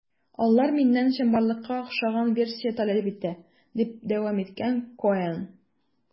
Алар миннән чынбарлыкка охшаган версия таләп итте, - дип дәвам иткән Коэн.